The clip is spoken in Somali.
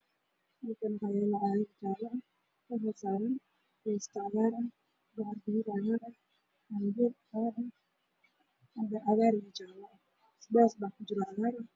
Waa kartoon kor kasaaran koosto iyo cambe